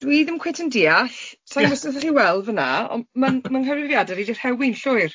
Dwi ddim cweit yn diall, sa i'n gwbo os allwch chi weld fan'na ond ma'n ma'n nghyfrifiadau fi di rhewi'n llwyr.